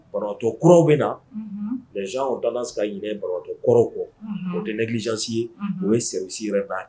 Bɔntɔ kw bɛ na z o dala ka ɲinintɔ kɔrɔw kɔ o tɛ neilizsi ye o ye sɛsi yɛrɛ' ye